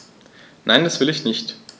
Nein, das will ich nicht.